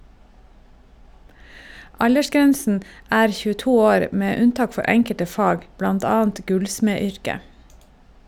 Aldersgrensen er 22 år, med unntak for enkelte fag, blant annet gullsmedyrket.